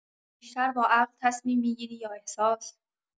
بیشتر با عقل تصمیم می‌گیری یا احساس؟